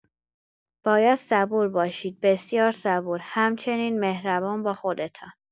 باید صبور باشید، بسیار صبور، همچنین مهربان با خودتان.